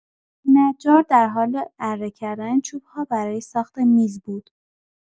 نجار در حال اره کردن چوب‌ها برای ساخت میز بود.